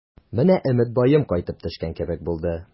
Менә Өметбаем кайтып төшкән кебек булды.